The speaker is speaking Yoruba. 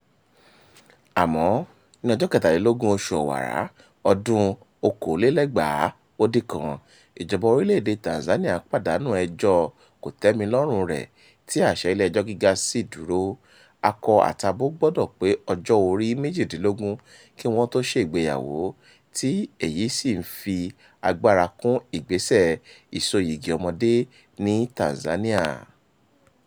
Àmọ́ ní ọjọ́ 23 oṣù Ọ̀wàrà ọdún-un 2019, ìjọba orílẹ̀ èdèe Tanzania pàdánù ẹjọ́ọ kòtẹ́milọ́rùnun rẹ̀ tí àṣẹ ilé ẹjọ́ gíga ṣì dúró: akọ àtabo gbọdọ̀ pé ọjọ́ orí méjìdínlógún kí wọn ó tó ṣe ìgbéyàwó, tí èyí sì ń fi agbára kún ìgbẹ́sẹ̀ ìsoyìgì ọmọdé ní Tanzania.